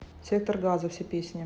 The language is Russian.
сектор газа все песни